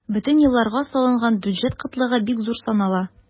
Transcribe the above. Бөтен елларга салынган бюджет кытлыгы бик зур санала.